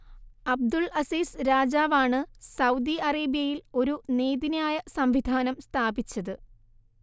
Abdul Aziz രാജാവ് ആണ് Saudi അറേബ്യയിൽ ഒരു നീതിന്യായ സംവിധാനം സ്ഥാപിച്ചത്